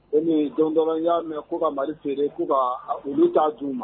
E don y'a mɛn'u ka mari feere ko ka wu taa d u ma